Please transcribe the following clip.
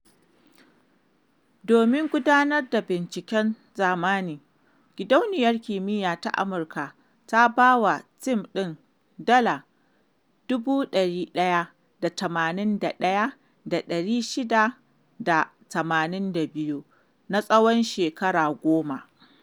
Domin gudanar da binciken zamani, Gidauniyar Kimiyya ta Amurka ta ba wa tim ɗin dala 181,682 na tsawon shekara goma.